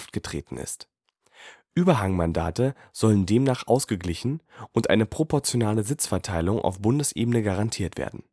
getreten ist. Überhangmandate sollen demnach ausgeglichen und eine proportionale Sitzverteilung auf Bundesebene garantiert werden